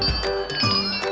này